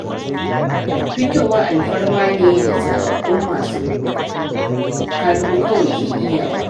Fitowa alfarma ne da zababbun masu kalo kawai ke iya wa.